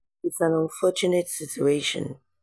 It's an unfortunate situation."